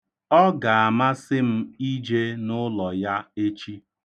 Ọ ga-amasị m ije n'ụlọ ya echi.